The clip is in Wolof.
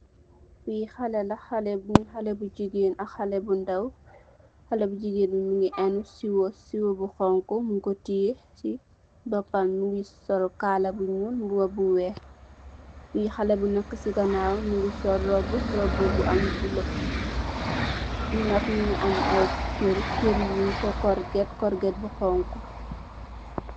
Li khaleh la, khaleh bu jigeen ak khaleh bu ndaw. Kahaleh bu jigeen mungi enuh siyoo ,siyoo bu xonxo mung ku teyeh ci bopam bi. Mungi sul kala bu ñuul mboba bu weex. Khaleh bu neka ci ganaw mungi sul robu bu am bulah. Fi nak mungi am ay keur, keur yi nak nyung ku corget bu xonxo.